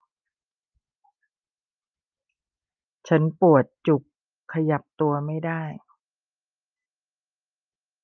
ฉันปวดจุกขยับตัวไม่ได้